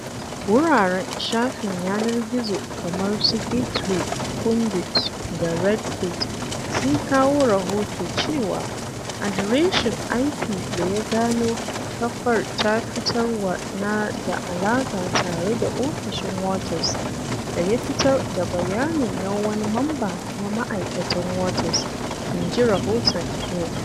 Wuraren shafin yanar gizo kamar su Gateway Pundit da RedState sun kawo rahoto cewa adireshin IP da ya gano kafar ta fitarwa na da alaƙa tare da ofishin Waters" da ya fitar da bayanin na wani mamba na ma'aikatan Waters, inji rahoton Hill.